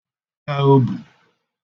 ka obə̀